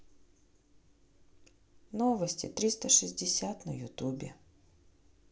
новости триста шестьдесят на ютубе